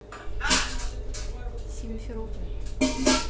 симферополь